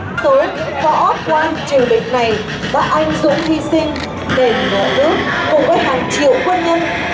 tối võ quan triều đình này đã anh dũng hy sinh đền nước cùng với hàng triệu quân nhân